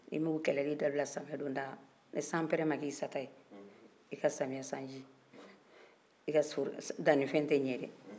ni i ma u kɛlɛli dabila samiyɛdonda ni sanpɛrɛ ma kɛ i sata ye i ka samiyɛsanji i ka dannifɛn tɛ ɲa dɛɛ